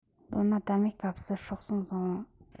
ལོ ན དར མའི སྐབས སུ སྲོག ཟུངས བཟང བ